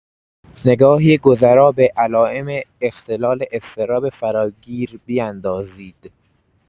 نگاهی گذرا به علائم اختلال اضطراب فراگیر بیندازید.